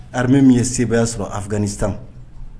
Armée min ye sebaya sɔrɔ Afganistan